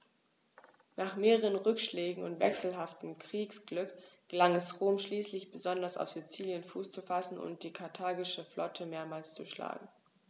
Nach mehreren Rückschlägen und wechselhaftem Kriegsglück gelang es Rom schließlich, besonders auf Sizilien Fuß zu fassen und die karthagische Flotte mehrmals zu schlagen.